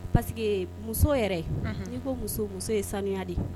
Pa muso yɛrɛ ii ko muso muso ye saniya de ye